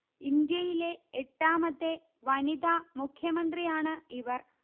ഇന്ത്യയിലെ എട്ടാമത്തെ വനിതാ മുഖ്യമന്ത്രിയാണ് ഇവർ